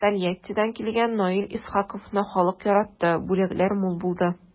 Тольяттидан килгән Наил Исхаковны халык яратты, бүләкләр мул булды.